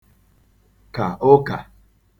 kà ụkà